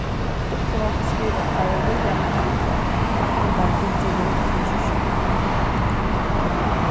stuttsøgan er skrivað av williami heinesen og varð útgivin í trýssunum